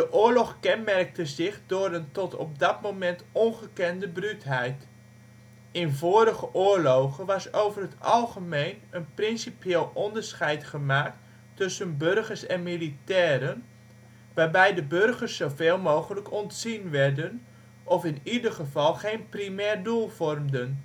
oorlog kenmerkte zich door een tot op dat moment ongekende bruutheid. In vorige oorlogen was over het algemeen een principieel onderscheid gemaakt tussen burgers en militairen, waarbij de burgers zoveel mogelijk ontzien werden, of in ieder geval geen primair doel vormden